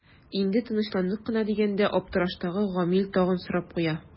Инде тынычландык кына дигәндә аптыраштагы Гамил тагын сорап куя.